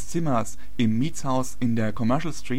Zimmers im Mietshaus in der Commercial